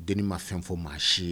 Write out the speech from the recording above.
Denin ma fɛn fɔ maa si ye